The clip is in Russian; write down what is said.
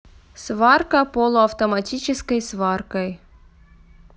сварка полуавтоматической сваркой